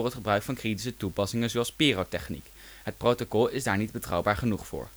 gebruik van kritische toepassingen zoals pyrotechniek. Het protocol is daar niet betrouwbaar genoeg voor